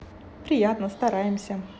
приятно стараемся